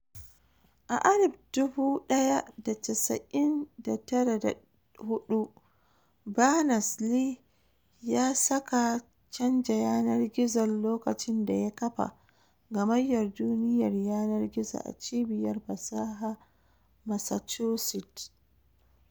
A 1994, Berners-Lee ya sake canza yanar-gizon lokacin da ya kafa Gammayar Duniyar Yanar Gizo a Cibiyar Fasaha Massachusetts.